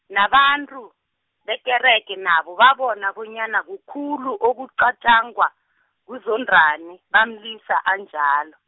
nabantu, bekerege nabo babona bonyana kukhulu okucatjangwa, nguZondani, bamlisa anjalo.